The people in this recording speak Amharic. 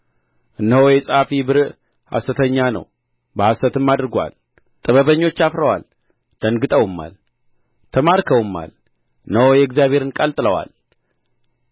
እነሆ የጸሐፊ ብርዕ ሐሰተኛ ነው በሐሰትም አድርጎአል ጥበበኞች አፍረዋል ደንግጠውማል ተማርከውማል እነሆ የእግዚአብሔርን ቃል ጥለዋል